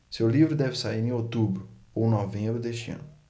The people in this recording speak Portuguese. seu livro deve sair em outubro ou novembro deste ano